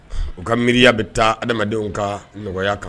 U ka miya bɛ taa adamadamadenw ka nɔgɔya kan